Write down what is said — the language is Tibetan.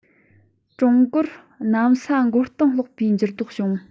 ཀྲུང གོར གནམ ས མགོ རྟིང སློག པའི འགྱུར ལྡོག བྱུང